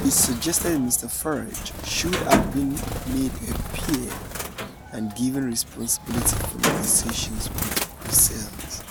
He suggested Mr Farage should have been made a peer and given responsibility for negotiations with Brussels.